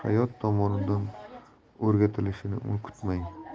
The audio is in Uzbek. hayot tomonidan o'rgatilishini kutmang